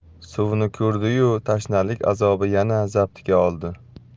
suvni ko'rdi yu tashnalik azobi yana zabtiga oldi